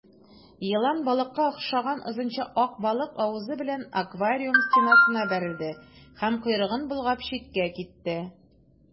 Елан балыкка охшаган озынча ак балык авызы белән аквариум стенасына бәрелде һәм, койрыгын болгап, читкә китте.